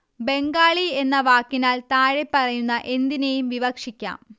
ബംഗാളി എന്ന വാക്കിനാൽ താഴെപ്പറയുന്ന എന്തിനേയും വിവക്ഷിക്കാം